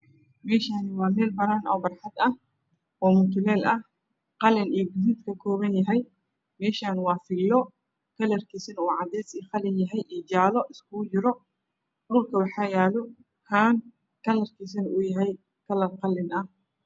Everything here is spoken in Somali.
Meeshaan waa meel banaan ah oo barxad ah mutuleel ah qalin iyo gaduud ka kooban yahay meeshana waa filo kalarkiisuna cadeys iyo qalin iyo jaalo iskugu jira dhulka waxaa yaalo haan kalarkeeduna uu yahay qalin.